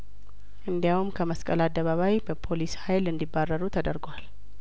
እንዲያውም ከመስቀል አደባባይበፖሊስ ሀይል እንዲ ባረሩ ተደርጓል